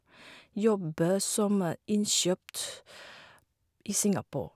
Jobbe som innkjøpt i Singapore.